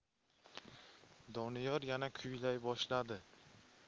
doniyor yana kuylay boshladi